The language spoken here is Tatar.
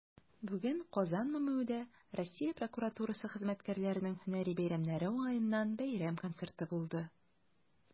Бүген "Казан" ММҮдә Россия прокуратурасы хезмәткәрләренең һөнәри бәйрәмнәре уңаеннан бәйрәм концерты булды.